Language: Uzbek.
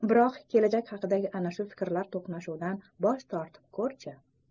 biroq kelajak haqidagi ana shu fikrlar to'qnashuvidan bosh tortib ko'r chi